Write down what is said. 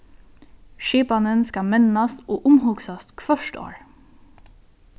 skipanin skal mennast og umhugsast hvørt ár